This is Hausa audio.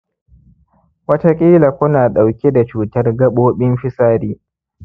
wataƙila ku na ɗauke da cutar gaɓoɓin fitsari